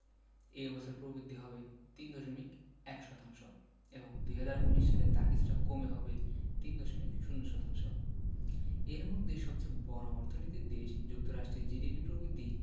এ বছর প্রবৃদ্ধি হবে ৩.১ শতাংশ এবং ২০১৯ সালে তা কিছুটা কমে হবে ৩.০ শতাংশ এর মধ্যে সবচেয়ে বড় অর্থনৈতিক দেশ যুক্তরাষ্ট্রের জিডিপি প্রবৃদ্ধি